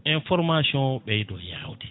information o ɓeydo yawde